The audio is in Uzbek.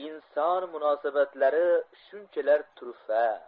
inson munosabatlari shunchalar turfa